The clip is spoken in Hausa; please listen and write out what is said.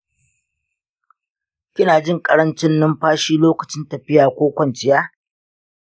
kina jin ƙarancin numfashi lokacin tafiya ko kwanciya?